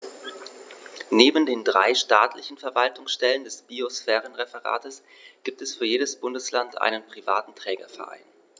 Neben den drei staatlichen Verwaltungsstellen des Biosphärenreservates gibt es für jedes Bundesland einen privaten Trägerverein.